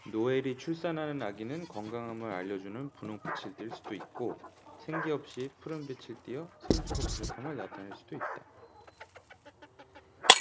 노엘이 출산하는 아기는 건강함을 알려 주는 분홍빛을 띨 수도 있고 생기 없이 푸른빛을 띠어 산소가 부족함을 나타낼 수도 있다